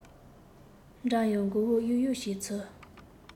འདྲ ཡང མགོ བོ གཡུག གཡུག བྱེད ཚུལ